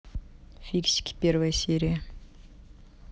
фиксики первая серия